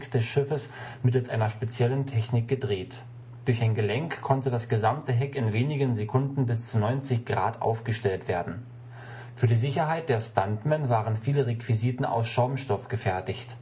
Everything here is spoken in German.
des Schiffes mittels einer speziellen Technik gedreht. Durch ein Gelenk konnte das gesamte Heck in wenigen Sekunden bis zu 90° aufgestellt werden. Für die Sicherheit der Stuntmen waren viele Requisiten aus Schaumstoff gefertigt